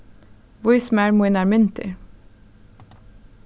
vís mær mínar myndir